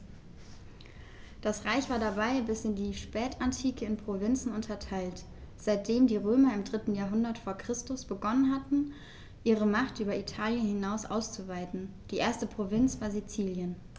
Das Reich war dabei bis in die Spätantike in Provinzen unterteilt, seitdem die Römer im 3. Jahrhundert vor Christus begonnen hatten, ihre Macht über Italien hinaus auszuweiten (die erste Provinz war Sizilien).